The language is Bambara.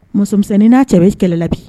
Musomisɛnnin n'a cɛ be kɛlɛ la bi